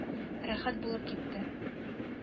Рәхәт булып китте